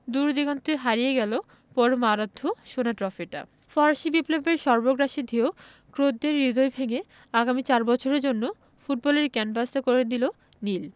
দূরদিগন্তে হারিয়ে গেল পরম আরাধ্য সোনার ট্রফিটা ফরাসি বিপ্লবের সর্বগ্রাসী ঢেউ ক্রোটদের হৃদয় ভেঙে আগামী চার বছরের জন্য ফুটবলের ক্যানভাসটা করে দিল নীল